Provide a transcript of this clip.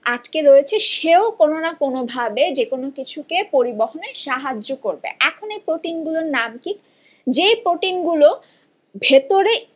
আটকে রয়েছে সেও যে কোনো ভাবে কোনো না কোনো কিছুকে পরিবহনের সাহায্য করবে এখন এই প্রোটিন গুলোর নাম কি যে প্রোটিন গুলো ভেতরে